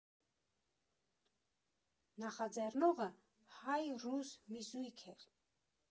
Նախաձեռնողը հայ֊ռուս մի զույգ էր։